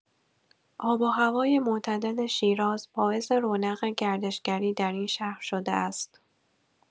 آب و هوای معتدل شیراز باعث رونق گردشگری در این شهر شده است.